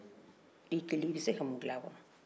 i kelen i bɛ se ka mun dilan a la